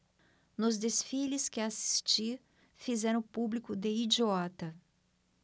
nos desfiles que assisti fizeram o público de idiota